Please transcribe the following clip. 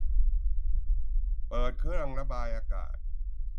เปิดเครื่องระบายอากาศ